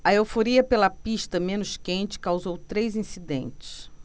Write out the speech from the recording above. a euforia pela pista menos quente causou três incidentes